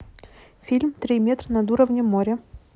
фильм три метра над уровнем моря